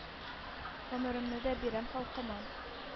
Гомремне дә бирәм халкыма.